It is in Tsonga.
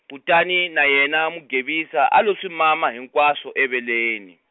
kutani na yena Mugevisa a lo swi mama hinkwaswo eveleni.